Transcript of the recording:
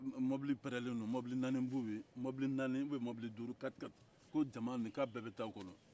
mɔbili pɛrɛnen don mɔbili naani bɛ yen mɔbili naani ubiɲɛ mɔbili duuru kati-kati ko jama nin k'a bɛɛ bɛ taa o kɔnɔ